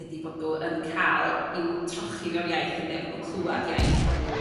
ydi fod n'w yn ca'l i'w trochi mewn iaith ynde? Fod n'w'n cl'wad iaith bod n'w